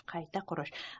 qayta qurish